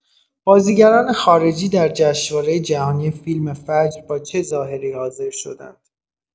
بازیگران خارجی در جشنواره جهانی فیلم فجر با چه ظاهری حاضر شدند؟